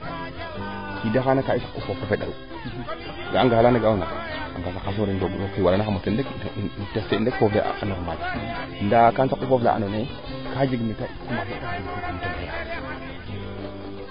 xa qiida xaaga kaa ga'a aleer laana ga'oona xam teng tax te normale ndaa kam saq foof la ando naye ke jeg neete rnd ina